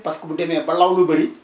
parce que bu demee ba law lu bëri